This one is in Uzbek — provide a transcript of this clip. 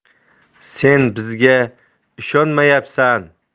sen bizga ishonmayapsan